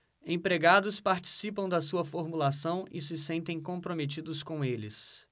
empregados participam da sua formulação e se sentem comprometidos com eles